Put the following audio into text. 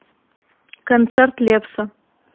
концерт лепса